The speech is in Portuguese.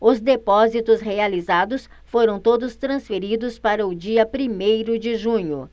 os depósitos realizados foram todos transferidos para o dia primeiro de junho